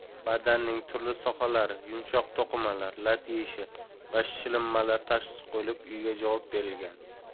badanining turli sohalari yumshoq to'qimalari lat yeyishi va shilinmalar tashxisi qo'yilib uyiga javob berilgan